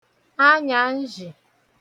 anyānzhị̀